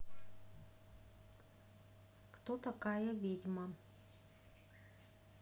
кто такая ведьма